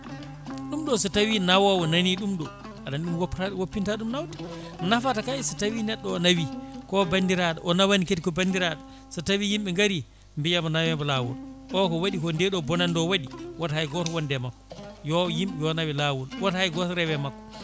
ɗum ɗo so tawi nawowo nani ɗum ɗo aɗa andi o ɗum woppata woppinta ɗum nawde nafata kayi so tawi neɗɗo o nawi ko bandiraɗo o nawani kadi ko bandirɗo so tawi yimɓe gaari mbiyamo nawemo lawol o ko waɗiko nde ɗo bonande o waɗi woto hay goto wonde e makko yo yimɓe yo naawe lawol woto hay goto rewe makko